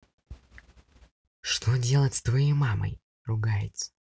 что делать с твоей мамой ругается